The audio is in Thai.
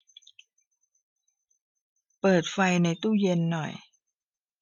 เปิดไฟในตู้เย็นหน่อย